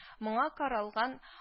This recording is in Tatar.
Моңа каралган